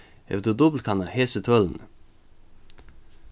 hevur tú dupultkannað hesi tølini